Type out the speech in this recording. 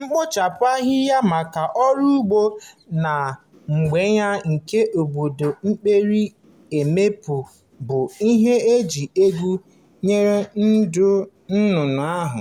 Mkpochapụ ahịhịa maka ọrụ ugbo na mbawanye nke obodo mepere emepe bụ ihe iyi egwu nyere ndụ nnụnụ ahụ.